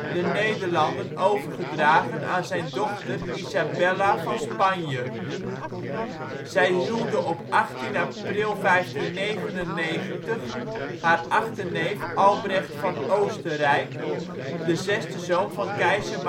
de Nederlanden overgedragen aan zijn dochter Isabella van Spanje. Zij huwde op 18 april 1599 haar achterneef Albrecht van Oostenrijk, de zesde zoon van keizer